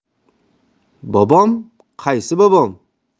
bobom qaysi bobom